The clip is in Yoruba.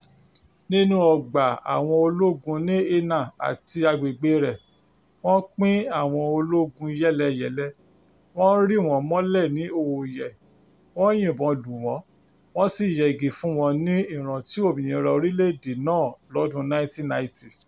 Nínú ọgbà àwọn ológun ní Inal àti àgbègbè rẹ̀, wọ́n pín àwọn ológun yẹ́lẹyẹ̀lẹ, wọ́n rì wọ́n mọ́lẹ̀ ní òòyẹ̀, wọ́n yìnbọn lù wọ́n, wọ́n sì yẹgi fún wọn ní ìrántí òmìnira orílẹ̀-èdè náà lọ́dún 1990.